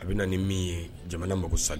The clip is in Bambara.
A bɛ na nin min ye jamana mago sa